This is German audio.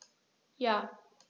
Ja.